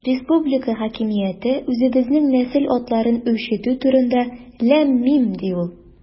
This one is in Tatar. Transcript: Республика хакимияте үзебезнең нәсел атларын үрчетү турында– ләм-мим, ди ул.